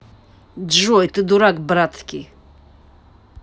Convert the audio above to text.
джой ты дурак братский